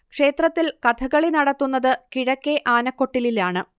ക്ഷേത്രത്തിൽ കഥകളി നടത്തുന്നത് കിഴക്കേ ആനക്കൊട്ടിലിലാണ്